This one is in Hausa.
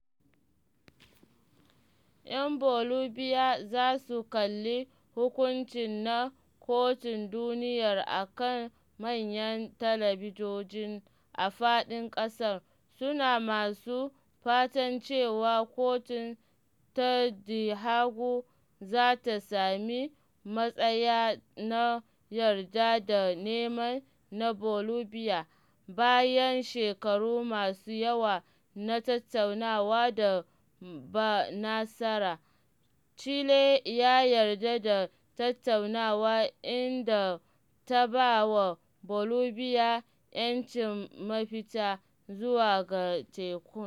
‘Yan Bolivia za su kalli hukuncin na Kotun Duniyar a kan manyan talabijoji a faɗin ƙasar, suna masu fatan cewa kotun ta The Hague za ta sami matsaya na yarda da neman na Bolivia - bayan shekaru masu yawa na tattaunawa da ba nasara - Chile ta yarda da tattaunawa inda ta ba wa Bolivia ‘yancin mafita zuwa ga tekun.